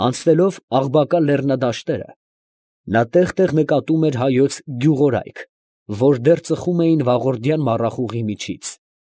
Անցնելով Աղբակա լեռնադաշտերը, նա տեղ֊տեղ նկատում էր հայոց գյուղորայք, որ դեռ ծխում էին վաղորդյան մառախուղի միջից։